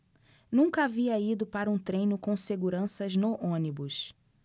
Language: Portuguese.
nunca havia ido para um treino com seguranças no ônibus